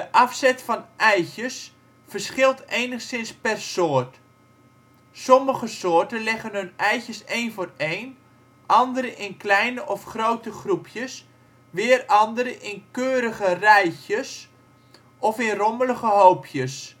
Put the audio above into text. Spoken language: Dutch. afzet van eitjes verschilt enigszins per soort: sommige soorten leggen hun eitjes een voor een, andere in kleine of grote groepjes, weer andere in keurige rijtjes of in rommelige hoopjes